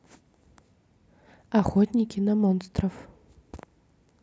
охотники на монстров